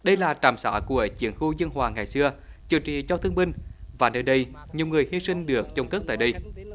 đây là trạm xá của chiến khu dương hòa ngày xưa chữa trị cho thương binh và nơi đây nhiều người hi sinh được chôn cất tại đây